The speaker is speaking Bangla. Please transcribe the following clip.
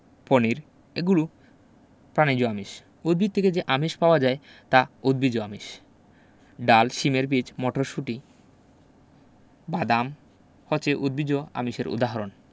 পনির এগুলো প্রাণিজ আমিষ উদ্ভিদ থেকে যে আমিষ পাওয়া যায় তা উদ্ভিজ্জ আমিষ ডাল শিমের বিচি মটরশুঁটি বাদাম হচ্ছে উদ্ভিজ্জ আমিষের উদাহরণ